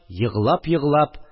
Еглап-еглап